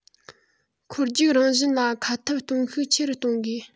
འཁོར རྒྱུག རང བཞིན ལ ཁ འཐབ གཏོང ཤུགས ཆེ རུ གཏོང དགོས